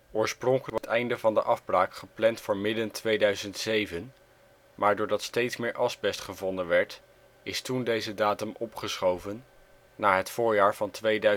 Oorspronkelijk was het einde van de afbraak gepland voor midden 2007, maar doordat steeds meer asbest gevonden werd is toen deze datum opgeschoven naar het voorjaar van 2008. De